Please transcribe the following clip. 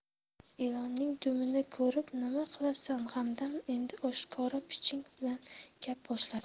ilonning dumini ko'rib nima qilasan hamdam endi oshkora piching bilan gap boshladi